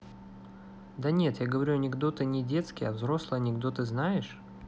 да нет я говорю анекдоты не детские а взрослые анекдоты знаешь